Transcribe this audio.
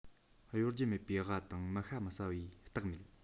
གཡོ སྒྱུ མེད པའི ཝ དང མི ཤ མི ཟ བའི སྟག མེད